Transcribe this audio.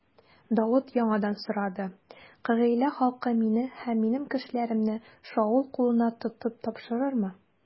Давыт яңадан сорады: Кыгыйлә халкы мине һәм минем кешеләремне Шаул кулына тотып тапшырырмы?